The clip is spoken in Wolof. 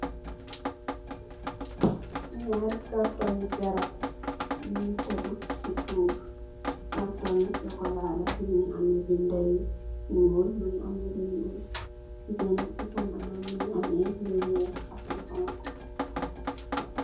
Nyari karton nyi garab, yun ngi tegu si soof, karton yi sokola, amme binde yu nyuul, mingi am lu nyuul, si kanamam mingi amme lu weex ak lu xonxu.